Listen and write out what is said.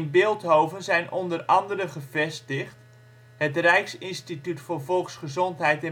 Bilthoven zijn onder andere gevestigd: het Rijksinstituut voor Volksgezondheid